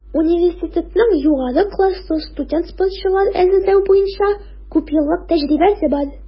Университетның югары класслы студент-спортчылар әзерләү буенча күпьеллык тәҗрибәсе бар.